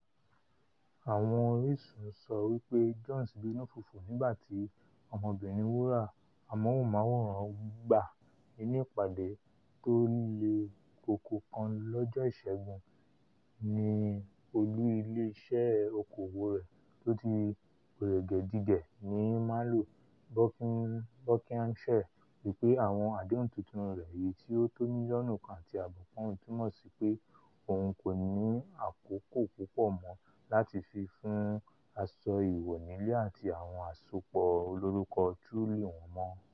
Àwọn orísun sọ wípé Jones ''bínù fùfù'' nígbà tí ọmọbìnrin wúrà amóhὺnmawòràn gbà nínú ìpàdé tó le koko kan lọ́jọ́ Ìṣẹ́gun ní olú ilé-iṣẹ́ oko-òwò rẹ̀ toti gbọ̀rẹ̀gẹ̀digẹ̀ ní Marlow, Buckinghamshire. wípé àwọn àdéhùn tuntun rẹ̀ - èyití ó tó mílíọ̀nù kan àti ààbọ̀ pọ́ùn - túmọ̀ sípé òhun kòní àkókò púpò mọ́ láti fi fún asọ íwọ̀ nílé àti àwọn àsopọ̀ olórúkọ Truly wọn mọ́.